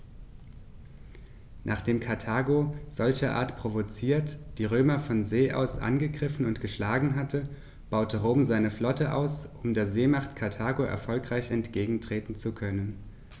Nachdem Karthago, solcherart provoziert, die Römer von See aus angegriffen und geschlagen hatte, baute Rom seine Flotte aus, um der Seemacht Karthago erfolgreich entgegentreten zu können.